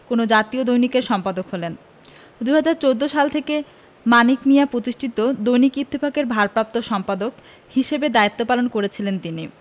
কোনো জাতীয় দৈনিকের সম্পাদক হলেন ২০১৪ সাল থেকে মানিক মিঞা পতিষ্ঠিত দৈনিক ইত্তেফাকের ভারপাপ্ত সম্পাদক হিসেবে দায়িত্ব পালন করেছিলেন তিনি